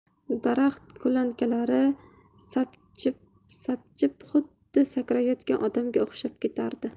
daraxt ko'lankalari sapchibsapchib xuddi sakrayotgan odamga o'xshab ketardi